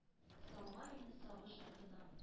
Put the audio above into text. Салма мине сагыш утына.